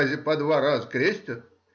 Разве по два раза крестят?